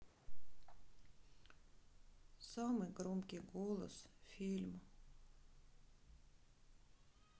самый громкий голос фильм